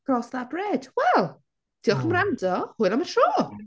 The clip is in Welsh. Cross that bridge. Wel diolch am wrando. Hwyl am y tro.